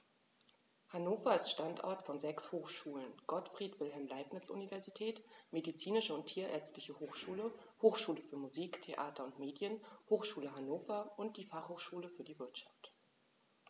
Hannover ist Standort von sechs Hochschulen: Gottfried Wilhelm Leibniz Universität, Medizinische und Tierärztliche Hochschule, Hochschule für Musik, Theater und Medien, Hochschule Hannover und die Fachhochschule für die Wirtschaft.